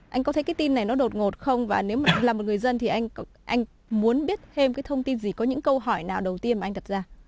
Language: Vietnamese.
anh có thấy cái tin này nó đột ngột không và nếu mà là một người dân thì anh anh muốn biết thêm cái thông tin gì có những câu hỏi nào đầu tiên mà anh đặt ra